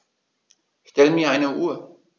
Stell mir eine Uhr.